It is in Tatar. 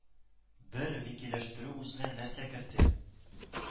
Бер викиләштерү үзенә нәрсә кертә